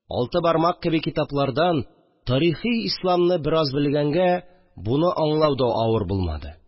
«алты бармак» кеби китаплардан тарихы исламны бераз белгәнгә, моны аңлау да авыр булмады;